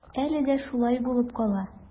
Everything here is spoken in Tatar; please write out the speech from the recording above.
Әле дә шулай булып кала.